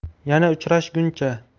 yana uchrashguncha